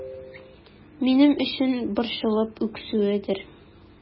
Минем өчен борчылып үксүедер...